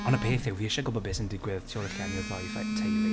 Ond y peth yw, fi isie gwybod beth sy'n digwydd tu ol y llenni o'r ddou ff- teulu.